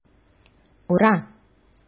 Ура!